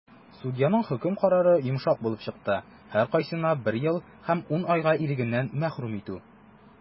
Судьяның хөкем карары йомшак булып чыкты - һәркайсына бер ел һәм 10 айга ирегеннән мәхрүм итү.